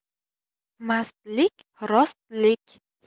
mastlik rostlik